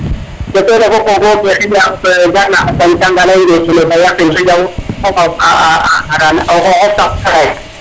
to kene fop o foge oxe gana a fañ tang a ley nge kene bo yaqin xaƴa wo fopa a a xoxof tax te leya